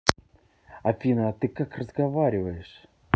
афина а ты как разговариваешь